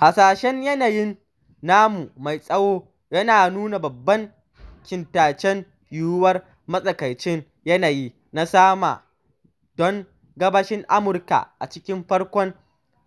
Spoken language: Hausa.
Hasashen yanayin namu mai tsawo yana nuna babban kintacen yiwuwar matsakaicin yanayi na sama don gabashin Amurka a cikin farkon